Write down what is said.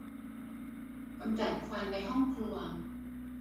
กำจัดควันในห้องครัว